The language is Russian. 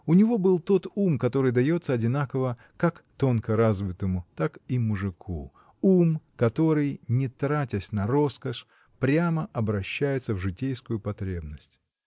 У него был тот ум, который дается одинаково как тонко развитому, так и мужику, ум, который, не тратясь на роскошь, прямо обращается в житейскую потребность.